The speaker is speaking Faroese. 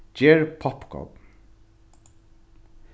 ger poppkorn